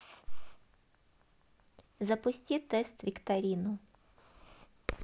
запусти тест викторину